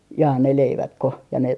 jaa ne leivätkö ja ne